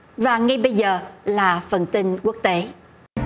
và ngay bây giờ là phần tin quốc tế